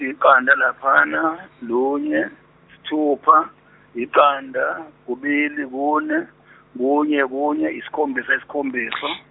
yiqanda laphana, kunye yisithupha yiqanda kubili kune kunye kunye isikhombisa isikhombisa.